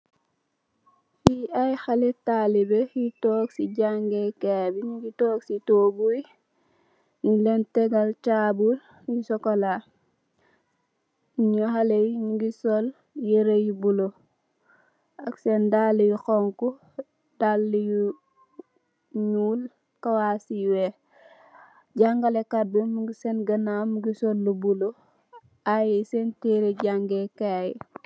Nyi I haleh talibeh yu tog sey jangeh kai bi nyungi tog sey togui nyung leng tegal tabul yu sokola nyuneh halei nyungi sol Yereh yu blue ak sen dalue yi hunhu dalue yu nyuul kawass yu weih jangaleh kat bi Mung sen ganaw Mungi sol lu blue i sen tereh jangai kai yi .